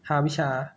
หาวิชา